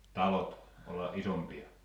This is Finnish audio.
talot olla isompia